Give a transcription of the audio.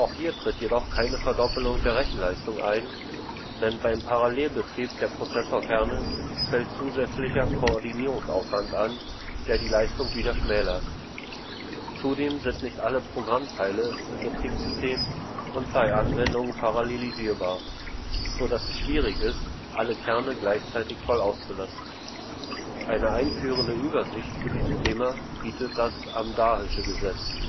hier tritt jedoch keine Verdoppelung der Rechenleistung ein, denn beim Parallelbetrieb der Prozessorkerne fällt zusätzlicher Koordinierungsaufwand an, der die Leistung wieder schmälert. Zudem sind nicht alle Programmteile im Betriebssystem und bei Anwendungen parallelisierbar, so dass es schwierig ist, alle Kerne gleichzeitig voll auszulasten. Eine einführende Übersicht zu diesem Thema bietet das amdahlsche Gesetz